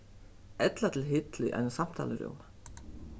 ella til hill í einum samtalurúmi